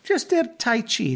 Jyst i'r tai chi.